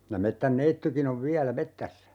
ja metsänneitikin on vielä metsässä